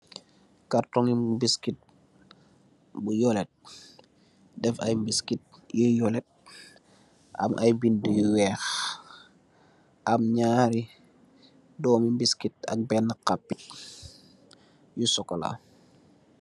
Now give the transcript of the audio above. Kartongi mbiskit, bu yolet, def aye mbiskit yu yolet, am aye bindi yu weekh, am nyaari doomi mbiskit ak benh xapit, yu sokolaa.